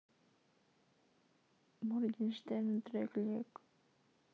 моргенштерн трек лег